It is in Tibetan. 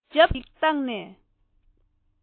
ཞབས འདྲ བ ཞིག བཏགས ནས